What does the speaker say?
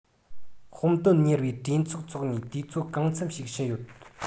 སྤོམ དོན གཉེར བའི གྲོས ཚོགས འཚོགས ནས དུས ཚོད གང འཚམ ཞིག ཕྱིན ཡོད